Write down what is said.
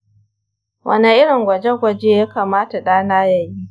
wane irin gwaje-gwaje ya kamata ɗana ya yi?